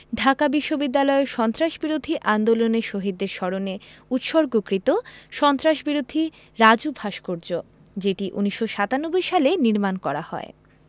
ঢাকা বিশ্ববিদ্যালয়ে সন্ত্রাসবিরোধী আন্দোলনে শহীদদের স্মরণে উৎসর্গকৃত সন্ত্রাসবিরোধী রাজু ভাস্কর্য যেটি১৯৯৭ সালে নির্মাণ করা হয়